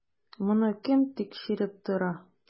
Моны кем тикшереп тора?